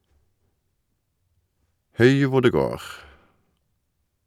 Hui hvor det går!